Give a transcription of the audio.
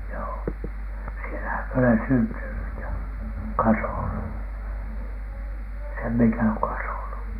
joo siellähän minä olen syntynyt ja kasvanut sen minkä olen kasvanut